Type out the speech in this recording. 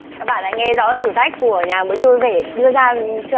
các bạn đã nghe rõ thử thách của nhà hàng bữa trưa vui vẻ đưa ra chưa ạ